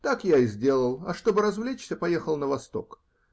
Так я и сделал, а чтобы развлечься -- поехал на Восток.